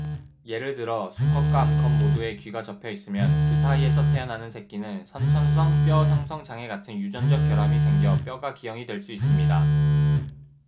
예를 들어 수컷과 암컷 모두의 귀가 접혀 있으면 그 사이에서 태어나는 새끼는 선천성 뼈 형성 장애 같은 유전적 결함이 생겨 뼈가 기형이 될 수 있습니다